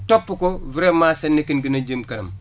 topp ko vraiment sa nekkin dina jëm kanam